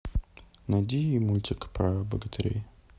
найди мультик про богатырей